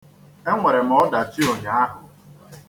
E nwere m ọdachi ụnyaahu.